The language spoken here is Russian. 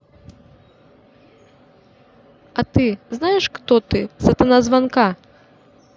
а ты знаешь кто ты сатана званка